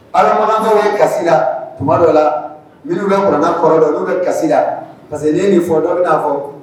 bɛ kasi la tuma dɔ la minnu bɛ kuranna kɔrɔ dɔn, u bɛ kasi la parce que n'i ye nin fɔ dɔ bɛna fɔ.